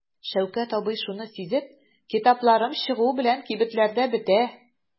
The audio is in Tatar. Шәүкәт абый шуны сизеп: "Китапларым чыгу белән кибетләрдә бетә".